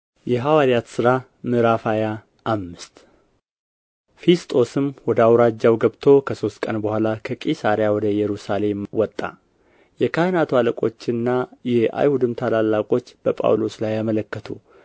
የሐዋርያት ሥራ ምዕራፍ ሃያ አምስት ፊስጦስም ወደ አውራጃው ገብቶ ከሦስት ቀን በኋላ ከቂሣርያ ወደ ኢየሩሳሌም ወጣ የካህናቱ አለቆችና የአይሁድም ታላላቆች በጳውሎስ ላይ አመለከቱ